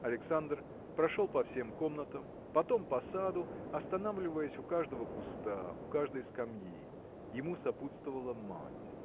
Александр прошел по всем комнатам потом по саду останавливаясь у каждого куста у каждой скамьи. Ему сопутствовала мать.